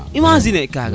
imagine i kaga